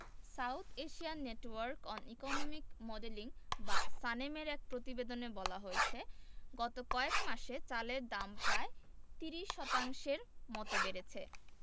south Asian network on economic modelling বা সানেমের এক প্রতিবেদনে বলা হয়েছে গত কয়েক মাসে চালের দাম প্রায় ৩০ শতাংশের মতো বেড়েছে